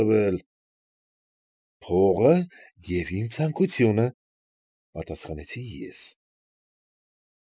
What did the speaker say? Տվել։ ֊ Փողը և իմ ցանկությունը,֊ պատասխանեցի ես։